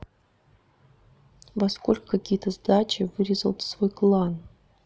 во сколько какие то дачи вырезал свой клан